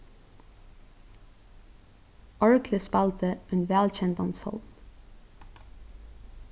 orglið spældi ein væl kendan sálm